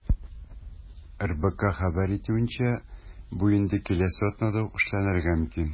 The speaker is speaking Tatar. РБК хәбәр итүенчә, бу инде киләсе атнада ук эшләнергә мөмкин.